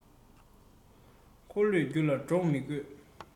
འཁོར ལོས བསྒྱུར ལ གྲོགས མི དགོས